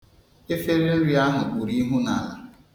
Efere nri ahụ kpuru ihu n'ala.